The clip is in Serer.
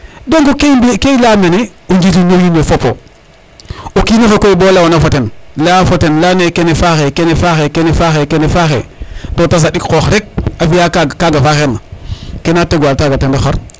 donc ke i mbi ke i leya mene o njiriñ no wiin we fopo o kinoxe koy bo leyona fo ten leya fo ten leyane kene faaxe kene faaxe kene faaxe to te saɗik xoox rek a fiya kaga faxeer na kena teg wa taga ten ref xar